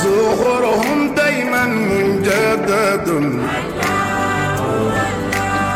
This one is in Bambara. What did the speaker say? soworo hdahi ma numu ja tɛ dɔrɔn la